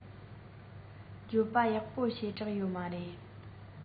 སྤྱོད པ ཡག པོ ཞེ དྲགས ཡོད མ རེད